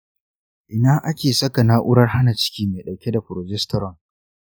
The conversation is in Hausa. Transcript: ina ake saka na’urar hana ciki mai ɗauke da progesterone?